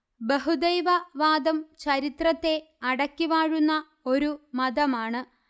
ബഹുദൈവ വാദം ചരിത്രത്തെ അടക്കി വാഴുന്ന ഒരു മതമാണ്